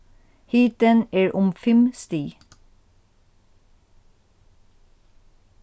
hitin er um fimm stig